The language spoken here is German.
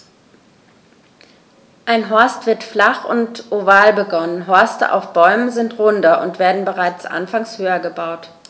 Ein Horst wird flach und oval begonnen, Horste auf Bäumen sind runder und werden bereits anfangs höher gebaut.